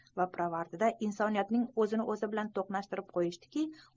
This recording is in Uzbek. umuman insoniyatning o'zini o'zi bilan to'qnashtirib qo'yishdiki